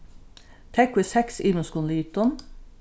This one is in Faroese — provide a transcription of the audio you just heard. tógv í seks ymiskum litum